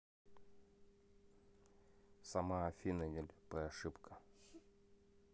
сама афина нелепая ошибка